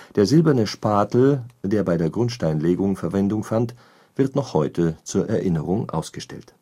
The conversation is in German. Der silberne Spatel, der bei der Grundsteinlegung Verwendung fand, wird noch heute zur Erinnerung ausgestellt